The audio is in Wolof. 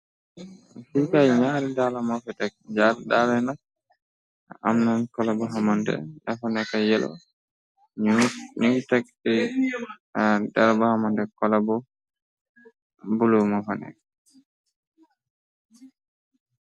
Suukaay ñaari daala mofe tekg jaar daale na amnaon cola bu xamante dafaneka yelo ñuy tek darbaxamante colabu bulu mofane.